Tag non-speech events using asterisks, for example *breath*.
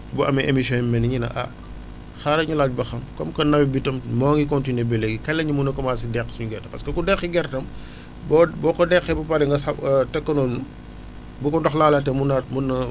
bu amee émission yu mel nii ñu naan ah xaaral ñu laaj ba xam comme que nawet bi tam moo ngi continué ba léegi kañ la ñu mën a commencé deqi suñu gerte parce que ku deqi gerteem *breath* boo boo ko deqee ba pare nga sa *hesitation* nga teg ko noonu bu ko ndox laalaatee mun naa mun na